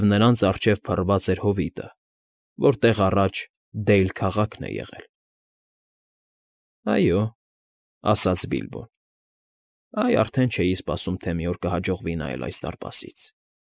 Նրանց առջև փռված էր հովիտը, որտեղ առաջ Դեյլ քաղաքն է եղել։ ֊ Այո,֊ ասաց Բիլբոն։֊ Այ արդեն չէի սպասում, թե մի օր կհաջողվի նայել այս դարպասից։